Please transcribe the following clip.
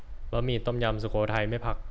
บะหมี่ต้มยำสุโขทัยไม่ผัก